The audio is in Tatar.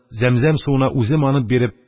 Зәмзәм суына үзе манып биреп,